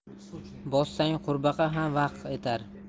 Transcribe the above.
bossang qurbaqa ham vaq etar